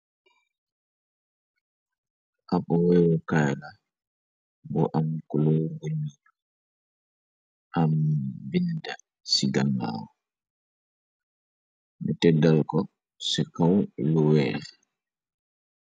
Ab wèrukaay bu am kuloor bu ñuul, am binda ci ganaaw nu tëdal KO ci kaw lu weeh.